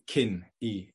cyn i